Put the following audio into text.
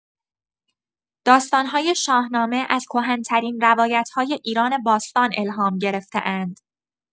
داستان‌های شاهنامه از کهن‌ترین روایت‌های ایران باستان الهام گرفته‌اند.